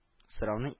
Орауны т